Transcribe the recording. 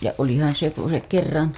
ja olihan se kun se kerran